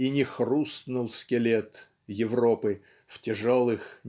и не "хрустнул скелет" Европы "в тяжелых